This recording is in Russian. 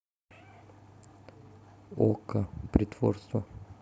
okko притворство